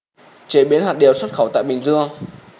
chế biến hạt điều xuất khẩu tại bình dương